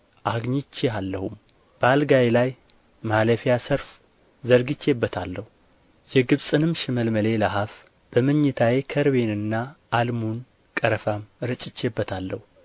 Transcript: አግኝቼሃለሁም በአልጋዬ ላይ ማለፊያ ሰርፍ ዘርግቼበታለሁ የግብጽንም ሽመልመሌ ለሀፍ በመኝታዬ ከርቤንና ዓልሙን ቀረፋም ረጭቼበታለሁ